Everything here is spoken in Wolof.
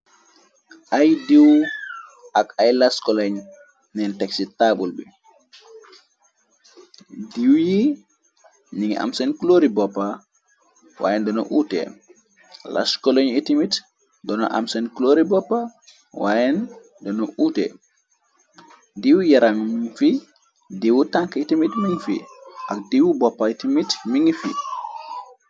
Ay diiw ak ay las koloñ neen teg ci taabul bi diiw yi ningi am seenclrbpp waayen dana uute las koleñ itimit dono am seen clori boppa iiw yara fi diiwu tank itimit min fi ak diiwu boppa itimit mingi fi.